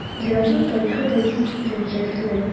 Зиратның тарихы да бик үзенчәлекле.